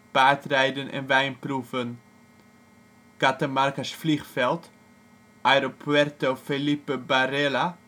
paardrijden en wijnproeven. Catamarca 's vliegveld, Aeropuerto Felipe Varela